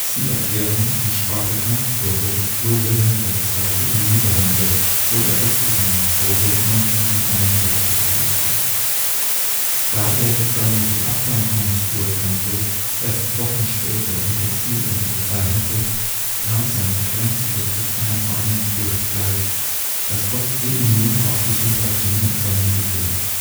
die Erklärung in Spa bekannt wurde, floh Wilhelm II. in die Niederlande, wo er bis zu seinem Tod 1941 lebte. Da er die förmliche Abdankungsurkunde erst Wochen später im Exil unterzeichnete, kam sein Grenzübertritt einer Fahnenflucht gleich. Das kostete ihn nun auch die Sympathien seiner Militärs